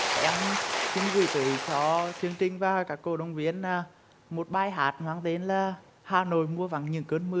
dạ em xin gửi tới cho chương trình và các cổ động viên ơ một bài hát mang tên là hà nội mùa vắng những cơn mưa